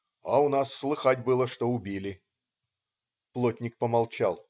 а у нас слыхать было, что убили". Плотник помолчал.